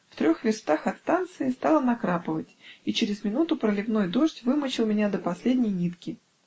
В трех верстах от станции*** стало накрапывать, и через минуту проливной дождь вымочил меня до последней нитки.